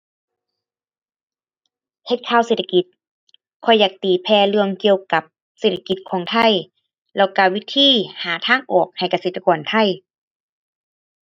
เฮ็ดข่าวเศรษฐกิจ ข้อยอยากตีแผ่เรื่องเกี่ยวกับเศรษฐกิจของไทย แล้วก็วิธีหาทางออกให้เกษตรกรไทย